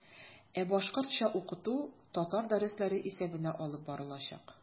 Ә башкортча укыту татар дәресләре исәбенә алып барылачак.